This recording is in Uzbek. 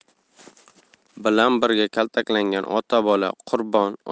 bilan birga kaltaklangan ota bola qurbon